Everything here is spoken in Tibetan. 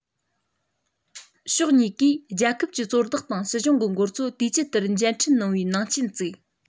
ཕྱོགས གཉིས ཀས རྒྱལ ཁབ ཀྱི གཙོ བདག དང སྲིད གཞུང གི འགོ གཙོ དུས བཅད ལྟར མཇལ འཕྲད གནང བའི ནང རྐྱེན བཙུགས